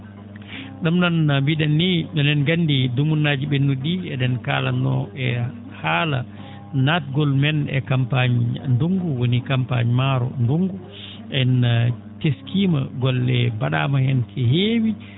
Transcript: ?um noon no mbii?en nii me?en ngandi dumunnaaji ?ennu?i ?ii e?en kaalatnoo e haala natgol men e campagne ndunngu woni campagne maaro ndunngu en teskiima golle mba?aama heen ke heewi